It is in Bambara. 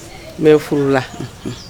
N bɛ furu la